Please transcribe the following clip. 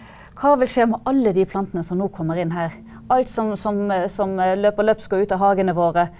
hva vil skje med alle de plantene som nå kommer inn her, alt som som som løper løpsk og ut av hagene våre?